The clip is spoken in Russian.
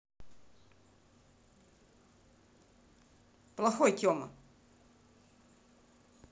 плохой тема